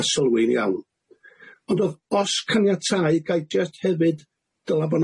a sylwi'n iawn ond o'dd os caniatâi gai jyst hefyd dyle bo'